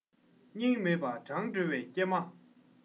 སྙིང མེད ལ འཕྲང སྒྲོལ བའི སྐྱེལ མ